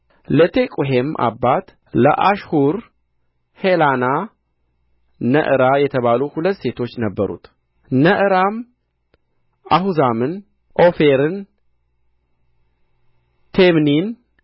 ለቴቁሔም አባት ለአሽሑር ሔላና ነዕራ የተባሉ ሁለት ሚስቶች ነበሩት ነዕራም አሑዛምን ኦፌርን ቴምኒን